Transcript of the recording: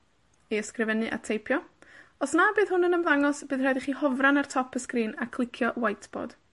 I ysgrifennu a teipio. Os na bydd hwn yn ymddangos, bydd rhaid i chi hofran ar top y sgrin a clicio Whiteboard.